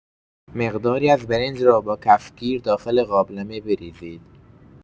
مقداری از برنج را با کف گیر داخل قابلمه بریزید.